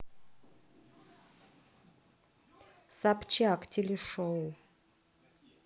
собчак телешоу